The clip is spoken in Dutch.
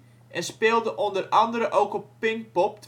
speelde onder andere ook op Pinkpop